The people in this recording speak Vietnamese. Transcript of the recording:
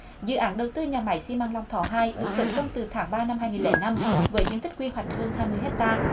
dự án đầu tư nhà máy xi măng long thọ hai được khởi công từ tháng ba năm hai nghìn lẻ năm với diện tích quy hoạch hơn hai mươi héc ta